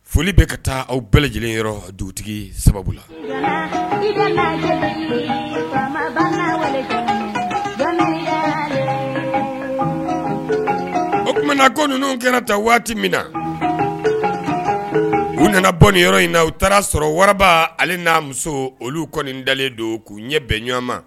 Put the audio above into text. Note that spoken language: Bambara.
Foli bɛ ka taa aw bɛɛ lajɛlen yɔrɔ dugutigi sababu la o tumaumana ko ninnu kɛra ta waati min na u nana bɔ nin yɔrɔ in na u taara sɔrɔ waraba hali n'a muso olu kɔni dalen don k'u ɲɛ bɛn ɲɔgɔn ma